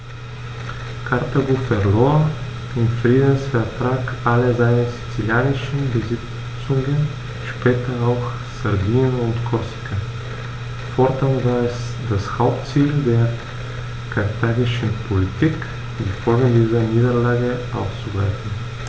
Karthago verlor im Friedensvertrag alle seine sizilischen Besitzungen (später auch Sardinien und Korsika); fortan war es das Hauptziel der karthagischen Politik, die Folgen dieser Niederlage auszugleichen.